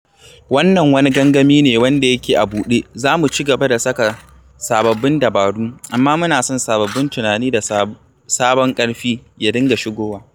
Wannan wani gangami ne wanda yake a buɗe - za mu cigaba da saka sababbin dabaru, amma muna son sababbin tunani da sabon ƙarfi ya dinga shigowa.